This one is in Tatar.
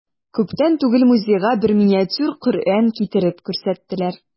Күптән түгел музейга бер миниатюр Коръән китереп күрсәттеләр.